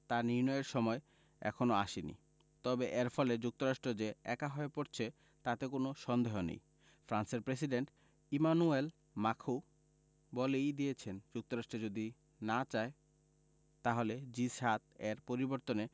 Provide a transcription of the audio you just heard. তা নির্ণয়ের সময় এখনো আসেনি তবে এর ফলে যুক্তরাষ্ট্র যে একা হয়ে পড়ছে তাতে কোনো সন্দেহ নেই ফ্রান্সের প্রেসিডেন্ট ইমানুয়েল মাখোঁ বলেই দিয়েছেন যুক্তরাষ্ট্র যদি না চায় তাহলে জি ৭ এর পরিবর্তে